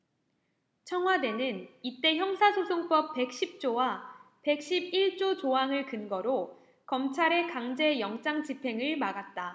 청와대는 이때 형사소송법 백 십 조와 백 십 일 조 조항을 근거로 검찰의 강제 영장집행을 막았다